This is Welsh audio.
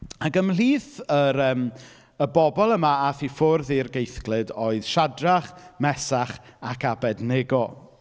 Ac ymhlith, yr yym, y bobl yma aeth i ffwrdd i'r geithglyd oedd Siadrach, Mesach ac Abednego.